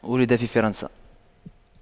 ولد في فرنسا